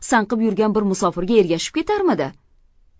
sanqib yurgan bir musofirga ergashib ketarmidi